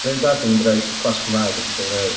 R'un peth dwi mynd i roid class Cymraeg a petha fyny 'fyd.